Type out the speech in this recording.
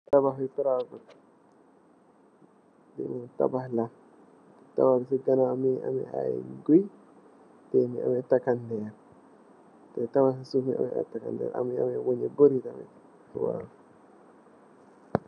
Tabax yu paréégut, lii mom tabax la, tabax bi si ganaaw mbu ngi am ay guy, mu ngi am ay takëndeer, të tabax i suuf bi mu ngi am takëndeer. Mu ngi am ay wénge yu bëri tam